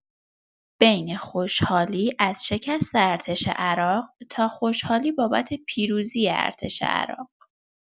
بین خوشحالی از شکست ارتش عراق تا خوشحالی بابت پیروزی ارتش عراق.